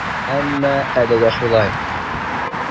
Әмма әлегә шулай.